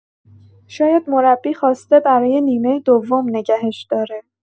شاید مربی خواسته برای نیمه دوم نگهش داره.